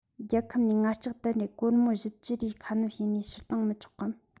རྒྱལ ཁབ ནས ངར ལྕགས ཏུན རེར སྒོར མོ བཞི བཅུ རེ ཁ སྣོན བྱས ནས ཕྱིར བཏང མི ཆོག གམ